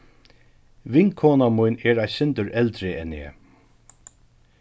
vinkona mín er eitt sindur eldri enn eg